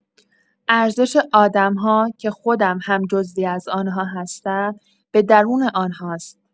ارزش آدم‌ها، که خودم هم جزوی از آن‌ها هستم، به درون آن‌هاست.